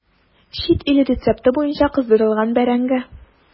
Чит ил рецепты буенча кыздырылган бәрәңге.